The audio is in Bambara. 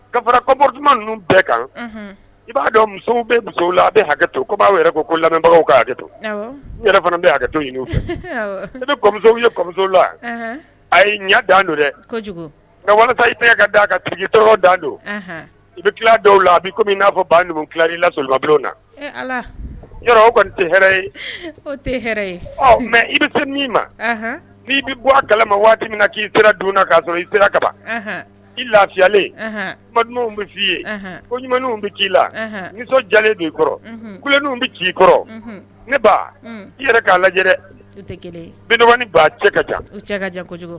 Ka fara kɔ bɛɛ kan i b'a dɔn bɛ a bɛ hakɛ to ko b'a yɛrɛ ko ko lamɛnbagaw' hakɛ to yɛrɛ fana bɛ hakɛto i bɛ ye kɔ la a ɲɛ da don dɛ da don i bɛ tila dɔw la a min n'a fɔ ba i la na kɔni tɛ hɛrɛ ye mɛ i bɛ min ma n'i bɛ bɔ a kala waati min na k'i sera dun i sera kaba ban i lafiyalen bɛ f' i ye ko ɲuman bɛ k ji i la ni nisɔn jalen b'i kɔrɔ kuin bɛ ji i kɔrɔ ne ba i yɛrɛ'a lajɛ ba cɛ ka